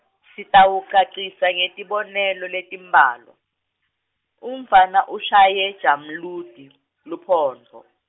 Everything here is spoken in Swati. sitawucacisa ngetibonelo letimbalwa umfana ushaye Jamludi luphondvo.